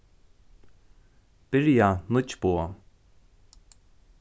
byrja nýggj boð